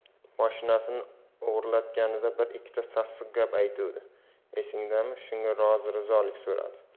moshinasini o'g'irlatganida bir ikkita sassiq gap aytuvdi esingdami shunga rozi rizolik so'radi